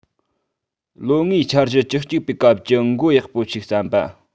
ལོ ལྔའི འཆར གཞི བཅུ གཅིག པའི སྐབས ཀྱི འགོ ཡག པོ ཞིག བརྩམས པ